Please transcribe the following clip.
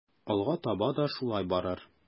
Алга таба да шулай барыр.